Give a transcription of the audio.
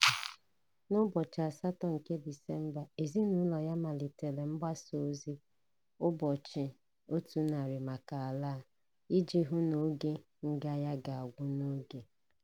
N'ụbọchị 8 nke Disemba, ezinụlọ ya malitere mgbasa ozi — "ụbọchị 100 maka Alaa" — iji hụ na oge nga ya ga-agwụ n'oge.